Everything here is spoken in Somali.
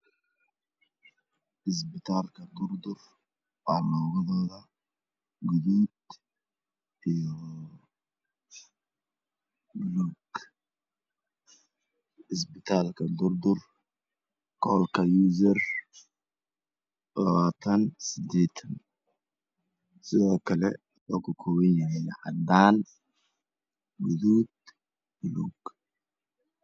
Waxan ka dhahayaa in ay magaalada leedahay hormar aad u ballaran hadii ay jirto waa nimco aan mar walba u mahadceliyo ALLAH